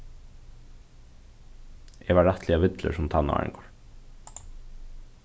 eg var rættiliga villur sum tannáringur